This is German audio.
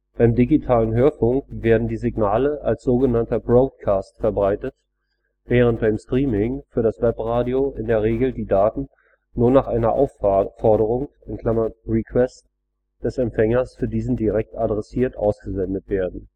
Beim digitalen Rundfunk werden die Signale als sogenannter Broadcast verbreitet, während beim Streaming für das Webradio in der Regel die Daten nur nach einer Aufforderung (Request) des Empfängers für diesen direkt adressiert ausgesendet werden